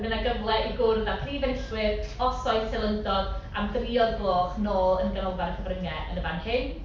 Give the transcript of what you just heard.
Fydd 'na gyfle i gwrdd â prif enillwyr os oes teilyngdod am dri o'r gloch nôl yn y Ganolfan y Cyfryngau yn y fan hyn.